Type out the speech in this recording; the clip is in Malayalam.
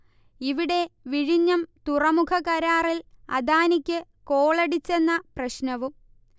ഇവിടെ വിഴിഞ്ഞം തുറമുഖക്കരാറിൽ അദാനിക്ക് കോളടിച്ചെന്ന പ്രശ്നവും